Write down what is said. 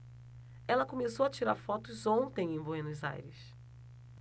ela começou a tirar fotos ontem em buenos aires